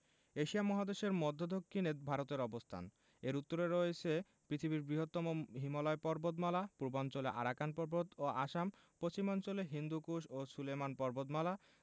Asia মহাদেশের মদ্ধ্য দক্ষিনে ভারতের অবস্থানএর উত্তরে রয়েছে পৃথিবীর বৃহত্তম হিমালয় পর্বতমালা পূর্বাঞ্চলে আরাকান পর্বত ও আসামপশ্চিমাঞ্চলে হিন্দুকুশ ও সুলেমান পর্বতমালা